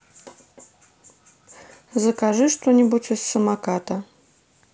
закажи что нибудь из самоката